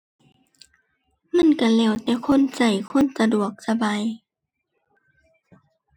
มันก็แล้วแต่คนก็ คนสะดวกสบาย